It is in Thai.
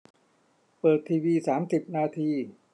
เปิดทีวีสามสิบนาที